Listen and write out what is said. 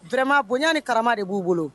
Durama bonya ni kara de b'u bolo